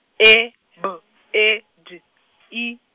E B E D I.